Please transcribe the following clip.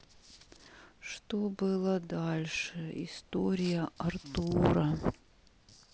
что было дальше история артура